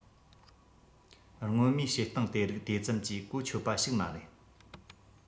སྔོན མའི བྱེད སྟངས དེ རིགས དེ ཙམ གྱིས གོ ཆོད པ ཞིག མ རེད